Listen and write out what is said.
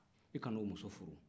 i kan'o muso furu